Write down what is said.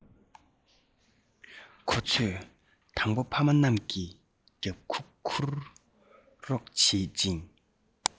ཁོ ཚོས དང པོ ཕ མ རྣམས ཀྱི རྒྱབ ཁུག འཁུར རོགས བྱེད ཅིང